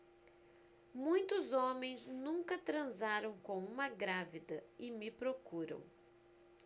muitos homens nunca transaram com uma grávida e me procuram